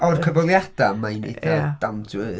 O'r cyfweliadau mae hi'n ddigon... Ie. ...Down to earth.